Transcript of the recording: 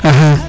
axa